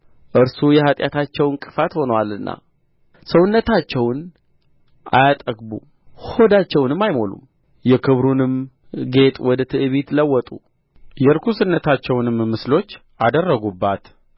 እርሱ የኃጢአታቸው ዕንቅፋት ሆኖአልና ሰውነታቸውን አያጠግቡም ሆዳቸውንም አይሞሉም የክብሩንም ጌጥ ወደ ትዕቢት ለወጡ የርኵስነታቸውንም ምስሎች አደረጉባት